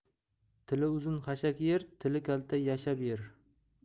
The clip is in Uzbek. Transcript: tili uzun xashak yer tili kalta yashab yer